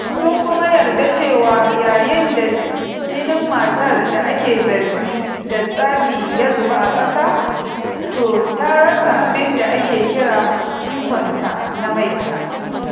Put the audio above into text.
Sun kuma yarda cewa yayin da jinin matar da ake zargi da tsafi ya zuba a ƙasa, to ta rasa abinda ake kira ikonta na maita.